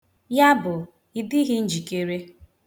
Yabụ, ị dịghị njikere.